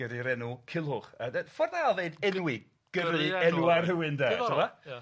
Gyrru'r enw Culhwch yy de- ffordd dda o ddeud enwi gyrru enw ar rhywun de, t'bo'? Ia.